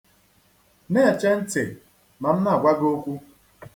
Na-eche ntị ma m na-agwa gị okwu.